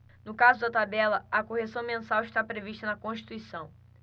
no caso da tabela a correção mensal está prevista na constituição